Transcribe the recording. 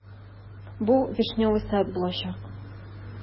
Бу "Вишневый сад" булачак.